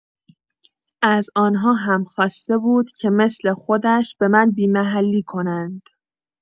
از آن‌ها هم خواسته بود که مثل خودش به من بی‌محلی کنند.